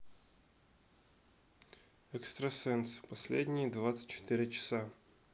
экстрасенсы последние двадцать четыре часа